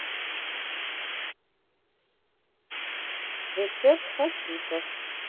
рецепт фахитос